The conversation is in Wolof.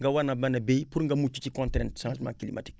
nga war a mën a bay pour nga mucc ci contrainte changement climatique